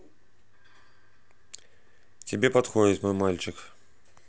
тебе подходит мой мальчик